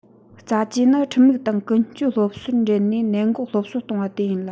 རྩ བཅོས ནི ཁྲིམས ལུགས དང ཀུན སྤྱོད སློབ གསོར འབྲེལ ནས ནད འགོག སློབ གསོ གཏོང བ དེ ཡིན ལ